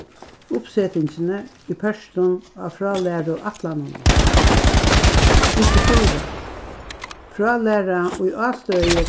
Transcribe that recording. uppsetingini í pørtum á frálæruætlanunum stykki fýra frálæra í ástøði